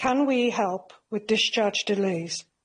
Can we help with discharge delays?